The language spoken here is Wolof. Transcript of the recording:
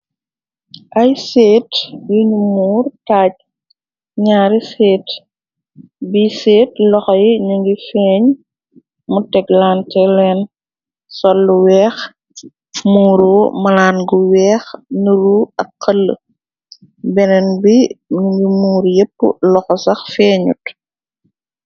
Ay seet yi nu muur taaj ñaari seet bi seet loxoyi ningi feeñ mu teglaante leen sollu weex muuro malaan gu weex nuru ak xëll benen bi mu ngi muur yépp loxo sax feenut.